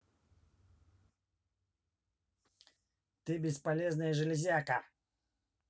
ты бесполезная железка